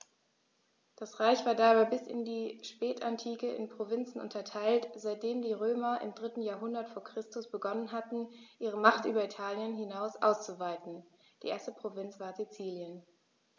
Das Reich war dabei bis in die Spätantike in Provinzen unterteilt, seitdem die Römer im 3. Jahrhundert vor Christus begonnen hatten, ihre Macht über Italien hinaus auszuweiten (die erste Provinz war Sizilien).